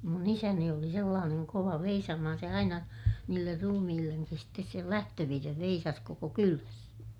minun isäni oli sellainen kova veisaamaan se aina niille ruumillekin sitten sen lähtövirren veisasi koko kylässä